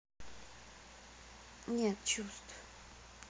нет чувств